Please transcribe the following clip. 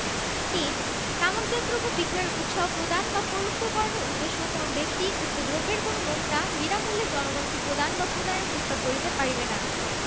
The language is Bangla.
৩ তামাকজাত দ্রব্য বিক্রয়ে উৎসাহ প্রদান বা প্রলুব্ধকরণের উদ্দেশ্যে কোন ব্যক্তি উক্ত দ্রব্যের কোন নমুনা বিনামূল্যে জনগণকে প্রদান বা প্রদানের প্রস্তাব করিতে পারিবেন না